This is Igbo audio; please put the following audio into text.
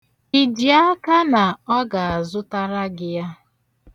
Ị ji aka na ọ ga-azụtara gị ya?